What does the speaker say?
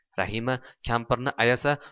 rahima kampirni ayasa